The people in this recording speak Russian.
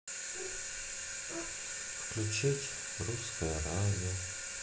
включить русское радио